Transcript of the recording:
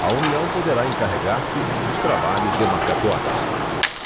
a união poderá encarregar se dos trabalhos demarcatórios